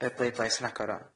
Y bleidlais yn agor ŵan.